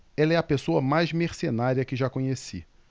ela é a pessoa mais mercenária que já conheci